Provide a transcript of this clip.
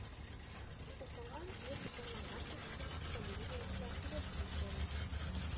Укылган яки тыңланган текстның эчтəлеге буенча сөйлəшү үткəрү